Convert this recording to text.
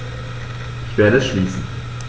Ich werde es schließen.